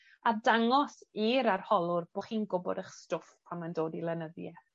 a dangos i'r arholwr bo' chi'n gwbod 'ych stwff pan mae'n dod i lenyddieth.